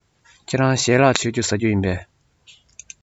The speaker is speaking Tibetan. ཁྱེད རང ཞལ ལག མཆོད རྒྱུ བཟའ རྒྱུ ཡིན པས